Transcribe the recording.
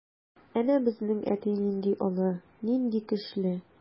Әнә безнең әти нинди олы, нинди көчле.